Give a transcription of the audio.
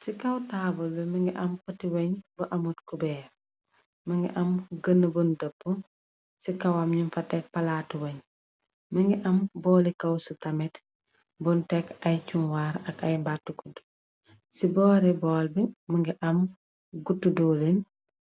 ci kaw taabal bi më ngi am poti weñ bu amut kubeer më ngi am gën bun dëpp ci kaw am ñum fa tek palaatu weñ më ngi am booli kaw su tamet bun tekk ay cumwaar ak ay mbart kudd ci boori bool bi më ngi am guutu duulin